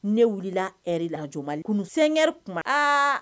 Ne wulila eri laj kunsenɛrɛ tuma aa